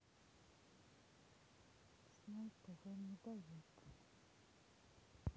знай тв медоед